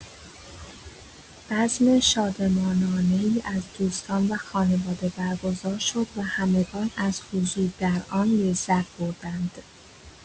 بزم شادمانانه‌ای از دوستان و خانواده برگزار شد و همگان از حضور در آن لذت بردند.